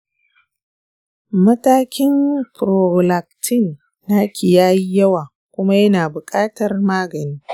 matakin prolactin naki yayi yawa kuma yana bukatar magani.